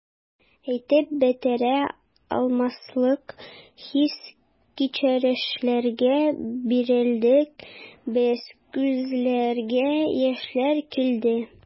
Әйтеп бетерә алмаслык хис-кичерешләргә бирелдек без, күзләргә яшьләр килде.